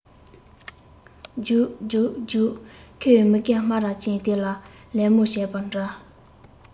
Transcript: རྒྱུགས རྒྱུགས རྒྱུགས ཁོས མི རྒན སྨ ར ཅན དེ ལ ལད མོ བྱས པ འདྲ